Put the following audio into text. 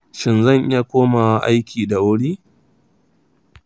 shin zan iya komawa aiki da wuri?